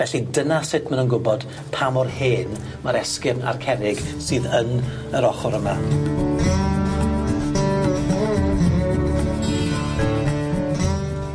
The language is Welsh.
Felly dyna sut ma' nw'n gwbod pa mor hen ma'r esgyrn a'r cerrig sydd yn yr ochor yma.